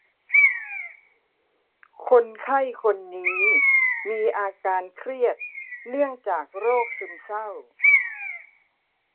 คนไข้คนนี้มีอาการเครียดเนื่องจากโรคซึมเศร้า